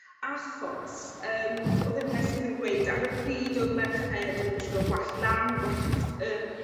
Achos yym odd y hanesydd yn gweud ar y pryd odd merched yn gwisgo gwallt lan gwallt yym